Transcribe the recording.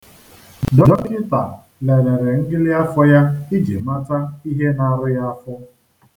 Dọkịta lelere ngịlịafọ ya iji mata ihe na-arụ ya afọ.